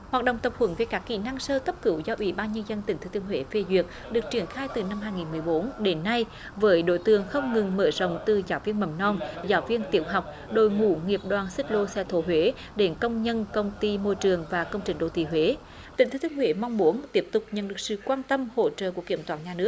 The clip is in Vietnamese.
hoạt động tập huấn viết các kỹ năng sơ cấp cứu do ủy ban nhân dân tỉnh thừa thiên huế phê duyệt được triển khai từ năm hai nghìn mười bốn đến nay với đối tượng không ngừng mở rộng từ giáo viên mầm non giáo viên tiểu học đội ngũ nghiệp đoàn xích lô xe thồ huế đình công nhân công ty môi trường và công trình đô thị huế tỉnh thừa thiên huế mong muốn tiếp tục nhận được sự quan tâm hỗ trợ của kiểm toán nhà nước